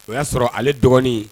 O y'a sɔrɔ ale dɔgɔnin